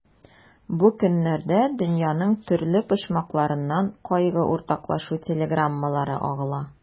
Бу көннәрдә дөньяның төрле почмакларыннан кайгы уртаклашу телеграммалары агыла.